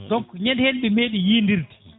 donc ñade hen ɓe meeɗi yiidirde